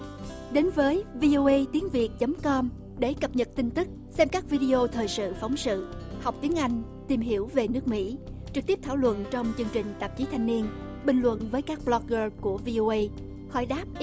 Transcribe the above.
đến với vi âu guây tiếng việt chấm com để cập nhật tin tức xem các vi đi ô thời sự phóng sự học tiếng anh tìm hiểu về nước mỹ trực tiếp thảo luận trong chương trình tạp chí thanh niên bình luận với các bờ loóc gơ của vi âu guây hồi đáp y